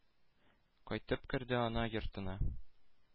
Кайтып керде ана йортына.